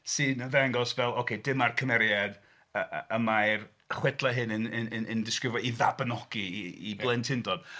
..sy'n ymddangos fel, ocê, dyma'r cymeriad yy y mae'r chwedlau hyn yn... yn... yn... yn disgrifio'i Fabinogi, ei blentyndod.